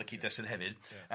hefyd ia.